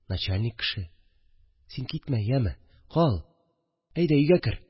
Начальник кеше. Син китмә, яме. Кал. Әйдә, өйгә кер